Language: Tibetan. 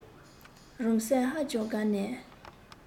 རང སེམས ཧ ཅང དགའ ནས